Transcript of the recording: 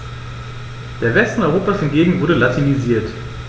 Der Westen Europas hingegen wurde latinisiert.